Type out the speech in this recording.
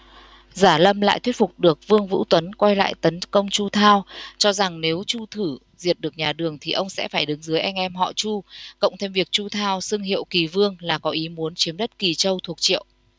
giả lâm lại thuyết phục được vương vũ tuấn quay lại tấn công chu thao cho rằng nếu chu thử diệt được nhà đường thì ông sẽ phải đứng dưới anh em họ chu cộng thêm việc chu thao xưng hiệu kỳ vương là có ý muốn chiếm đất kỳ châu thuộc triệu